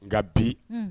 Nka bi